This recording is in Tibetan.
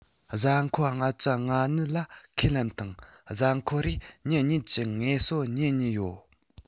གཟའ འཁོར ༥༢ ལ ཁས ལེན དང གཟའ འཁོར རེར ཉིན གཉིས ཀྱི ངལ གསོའི ཉིན གཉིས ཡོད